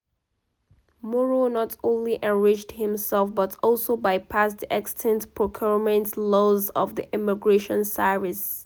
Moro not only enriched himself but also bypassed the extant procurement laws for the Immigration Service.